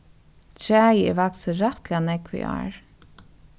træið er vaksið rættiliga nógv í ár